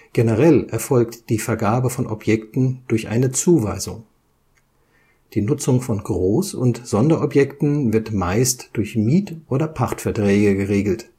Generell erfolgt die Vergabe von Objekten durch eine Zuweisung (Verwaltungsakt). Die Nutzung von Groß - und Sonderobjekten wird meist durch Miet - oder Pachtverträge geregelt